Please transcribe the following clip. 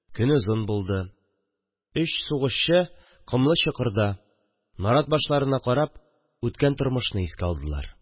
Көн озын булды, өч сугышчы комлы чокырда, нарат башларына карап, үткән тормышны искә алдылар